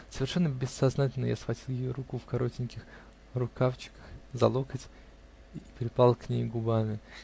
Совершенно бессознательно я схватил ее руку в коротеньких рукавчиках за локоть и припал к ней губами.